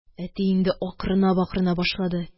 Әти инде акырына-бакырына башлады.